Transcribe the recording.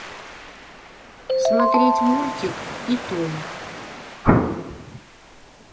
смотреть мультик и том